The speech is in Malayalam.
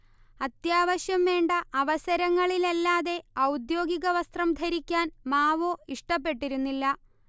അത്യാവശ്യം വേണ്ട അവസരങ്ങളില്ലല്ലാതെ ഔദ്യോഗിക വസ്ത്രം ധരിക്കാൻ മാവോ ഇഷ്ടപ്പെട്ടിരുന്നില്ല